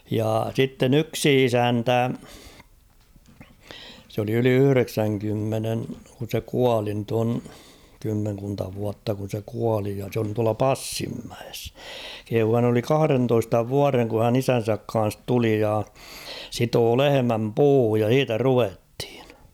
jaa sitten yksi isäntä se oli yli yhdeksänkymmenen kun se kuoli nyt on kymmenkunta vuotta kun se kuoli ja se oli tuolla Passinmäessä kehui hän oli kahdentoista vuoden kun hän isänsä kanssa tuli ja sitoi lehmän puuhun ja siitä ruvettiin